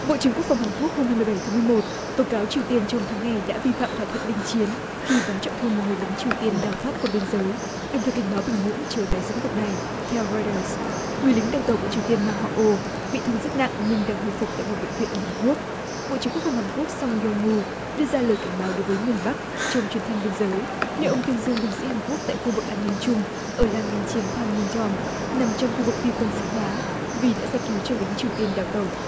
bộ trưởng quốc phòng hàn quốc hôm hai mươi bảy tháng mười một tố cáo triều tiên trong tháng này đã vi phạm thỏa thuận đình chiến khi bắn trọng thương một người lính triều tiên đào thoát qua biên giới đồng thời cảnh báo bình nhưỡng trớ tái diễn việc này theo roi đờ người lính đào tẩu của triều tiên mang họ ô bị thương rất nặng nhưng đang hồi phục tại một bệnh viện ở hàn quốc bộ trưởng quốc phòng hàn quốc song rong mu đưa ra lời cảnh báo đối với miền bắc trong chuyến thăm biên giới liệu ông tuyên dương binh sĩ hàn quốc tại khu vực an ninh chung ở làng đình chiến pan mun rom nằm trong khu vực phi quân sự hóa vì đã giải cứu cho lính triều tiên đào tẩu